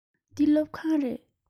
འདི སློབ ཁང རེད